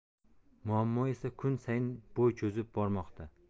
muammo esa kun sayin bo'y cho'zib bormoqda